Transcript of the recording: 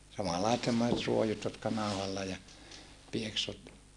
samanlaiset semmoiset ruojut jotka nauhalla ja pieksut